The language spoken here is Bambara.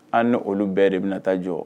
An ni olu bɛɛ de bɛna taa jɔɔ